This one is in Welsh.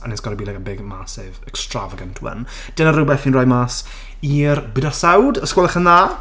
and it's going to be like a big massive, extravagant one. Dyna rhywbeth fi'n rhoi mas, i'r bydysawd. Os gwelwch yn dda!